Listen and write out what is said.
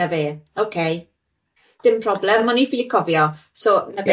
Na fe, ok, dim problem, o'n i ffili cofio, so na fe.